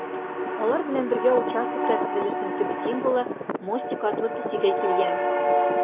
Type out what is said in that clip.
Алар белән бергә участокта төзелешнең төп символы - Мостик атлы песи дә килгән.